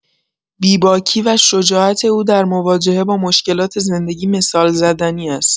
بی‌باکی و شجاعت او در مواجهه با مشکلات زندگی مثال‌زدنی است.